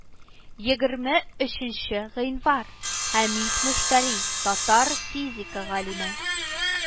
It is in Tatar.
Егерме өченче гыйнвар хәмид мөштәри, татар физика галиме